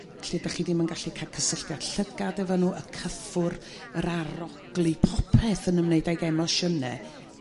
lle 'dach chi ddim yn gallu ca'l cysylltiad llygad hefo nhw y cyffwr' yr aroglu popeth yn ymwneud ag emosiyne